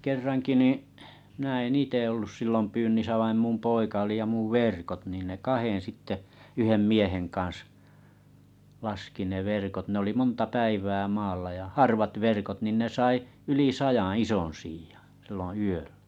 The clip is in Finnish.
kerrankin niin minä en itse ollut silloin pyynnissä vaan minun poika oli ja minun verkot niin ne kahden sitten yhden miehen kanssa laski ne verkot ne oli monta päivää maalla ja harvat verkot niin ne sai yli sadan ison siian silloin yöllä